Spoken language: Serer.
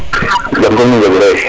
jam som nu njegu ye